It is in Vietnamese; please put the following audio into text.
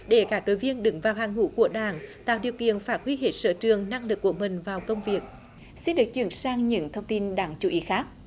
để các đội viên đứng vào hàng ngũ của đảng tạo điều kiện phát huy hết sở trường năng lực của mình vào công việc xin được chuyển sang những thông tin đáng chú ý khác